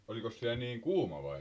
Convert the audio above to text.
olikos siellä niin kuuma vai